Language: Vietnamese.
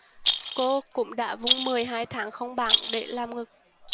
cô cũng đã vung mười hai tháng không bảng để làm ngực